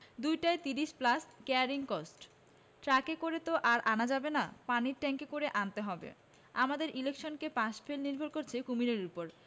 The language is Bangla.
দুটায় ত্রিশ প্লাস ক্যারিং কস্ট ট্রাকে করে তো আর আনা যাবে না পানির ট্যাংকে করে আনতে হবে আমাদের ইলেকশনে পাশ ফেল নির্ভর করছে কুমীরের উপর